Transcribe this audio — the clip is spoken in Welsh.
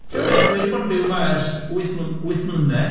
Tibod be, dwi 'di bod yn byw yma ers wyth ml- wyth mlynedd.